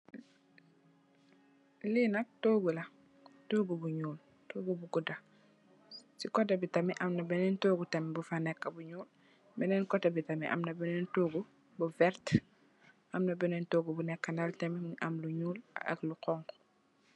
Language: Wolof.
Li nak toogu la, toogu bu ñuul, toogu bu gudda. Ci kotè bi tamit amna benen toogu tamit bu fa nekka bu ñuul. Ci benen kotè bi tamit amna benen toogu bu vert, Amna benen toogu bu nekka nalè tamit amna lu ñuul ak lu honku.